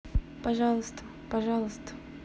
пожалуйста пожалуйста